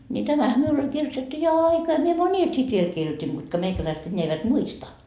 niin tämähän minulla oli kirjoitettu jo aikaa minä monille sitten vielä kirjoitin ketkä meikäläiset enää eivät muista